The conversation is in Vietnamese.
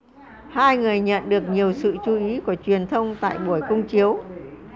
hai người nhận được nhiều sự chú ý của truyền thông tại buổi công chiếu